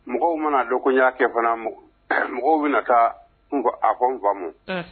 Mɔgɔw mana dɔn ko y' kɛ fana mɔgɔw bɛna taa n a ko n faamumu